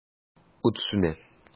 Ут сүнә.